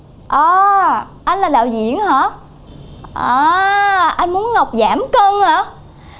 a anh là đạo diễn hả a anh muốn ngọc giảm cân hả